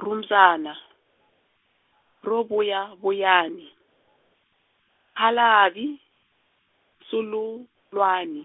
rhumbyana, ro vuyavuyani, khalavi, nsululwani,